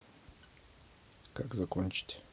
как закончить